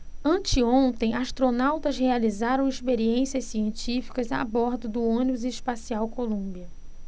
anteontem astronautas realizaram experiências científicas a bordo do ônibus espacial columbia